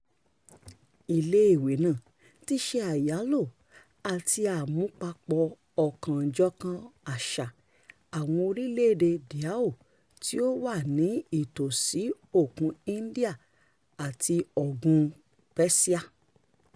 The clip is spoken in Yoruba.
Iléèwé náà ti ṣe àyálò àti àmúpapọ̀ ọ̀kan-ò-jọ̀kan àṣà "àwọn orílẹ̀-èdè dhow", tí ó wà ní ìtòsíi Òkun India àti Ọ̀gbùn-un Persia.